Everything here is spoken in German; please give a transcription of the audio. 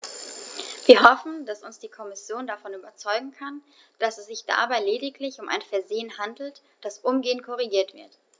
Wir hoffen, dass uns die Kommission davon überzeugen kann, dass es sich dabei lediglich um ein Versehen handelt, das umgehend korrigiert wird.